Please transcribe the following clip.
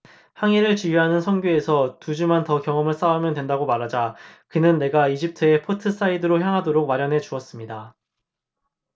항해를 지휘하는 선교에서 두 주만 더 경험을 쌓으면 된다고 말하자 그는 내가 이집트의 포트사이드로 항해하도록 마련해 주었습니다